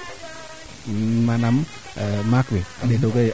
kaa o ndeeta ngaan ga 'a meene o doxa anda a jega kee